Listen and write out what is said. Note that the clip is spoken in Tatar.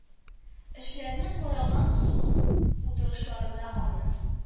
Эшләрне караган суд утырышларында аны